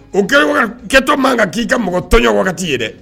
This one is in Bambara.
O kɛra kɛtɔ m kan k'i ka mɔgɔ tɔnɲɔ wagati ye dɛ